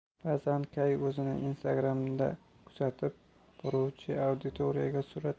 ba'zan kay o'zini instagram'da kuzatib boruvchi auditoriyaga